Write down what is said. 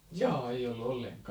jaa ei ollut ollenkaan